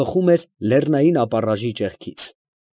Բխում էր լեռնային ապառաժի ճեղքից։